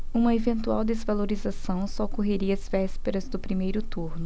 uma eventual desvalorização só ocorreria às vésperas do primeiro turno